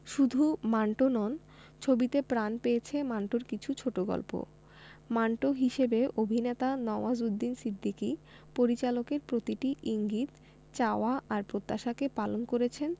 শুধু মান্টো নন ছবিতে প্রাণ পেয়েছে মান্টোর কিছু ছোটগল্পও মান্টো হিসেবে অভিনেতা নওয়াজুদ্দিন সিদ্দিকী পরিচালকের প্রতিটি ইঙ্গিত চাওয়া আর প্রত্যাশাকে পালন করেছেন